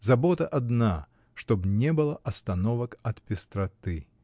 Забота одна — чтоб не было остановок от пестроты.